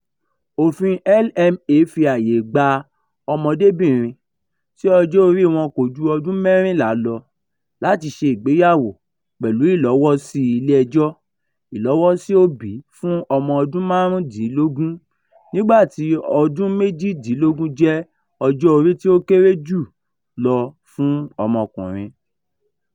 Òfin LMA fi àyè gba ọmọdébìnrin tí ọjọ́ oríi wọn kò ju ọdún mẹ́rìnlá lọ láti ṣe ìgbéyàwó pẹ̀lú ìlọ́wọ́sí ilé-ẹjọ́, ìlọ́wọ́sí òbí fún ọmọ ọdún márùn-ún-dínlógún, nígbà tí ọdún méjìdínlógún jẹ́ ọjọ́ orí tí ó kéré jù lọ fún ọmọkùnrin.